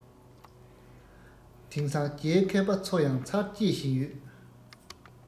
དེང སང རྒྱའི མཁས པ ཚོ ཡང མཚར སྐྱེ བཞིན ཡོད